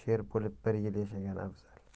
sher bo'lib bir yil yashagan afzal